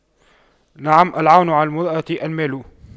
نعم العون على المروءة المال